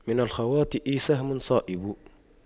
من الخواطئ سهم صائب